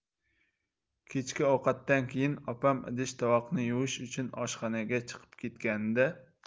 kechki ovqatdan keyin opam idish tovoqni yuvish uchun oshxonaga chiqib ketganida